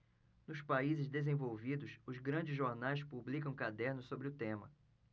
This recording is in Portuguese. nos países desenvolvidos os grandes jornais publicam cadernos sobre o tema